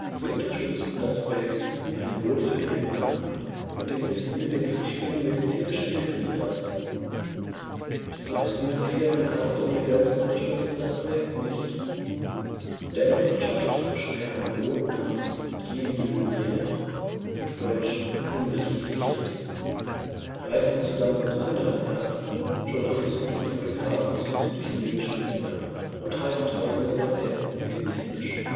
Sie unterstützten das Projekt „ Ein Boot für Vietnam “mit dem Ziel, den Flüchtlingen medizinische Hilfe zu leisten. Die meisten Mitglieder von Ärzte ohne Grenzen unterstützten das Projekt nicht. Dennoch charterte Kouchner ein Boot namens L’ Île de Lumière (deutsch „ Die Insel des Lichtes “), reiste zusammen mit anderen Ärzten, Journalisten und Fotografen zum Südchinesischen Meer und half tausenden Patienten medizinisch